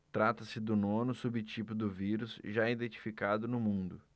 trata-se do nono subtipo do vírus já identificado no mundo